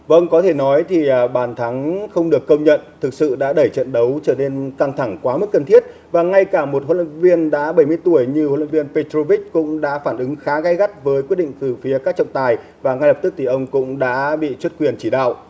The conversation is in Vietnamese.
vâng có thể nói thì bàn thắng không được công nhận thực sự đã đẩy trận đấu trở nên căng thẳng quá mức cần thiết và ngay cả một huấn luyện viên đã bảy mươi tuổi như huấn luyện viên pê trâu vích cũng đã phản ứng khá gay gắt với quyết định từ phía các trọng tài và ngay lập tức thì ông cũng đã bị truất quyền chỉ đạo